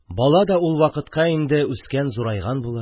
Бала да ул вакытка инде үскән, зурайган булыр.